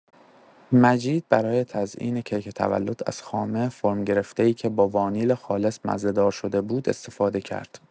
مجید برای تزئین کیک تولد از خامه فرم‌گرفته‌ای که با وانیل خالص مزه‌دار شده بود، استفاده کرد.